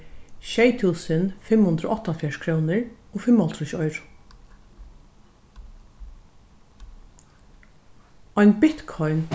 sjey túsund fimm hundrað og áttaoghálvfjerðs krónur og fimmoghálvtrýss oyru ein bitcoin